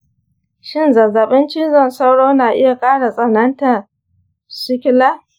shin zazzabin cizon sauro na iya ƙara tsananta sikila?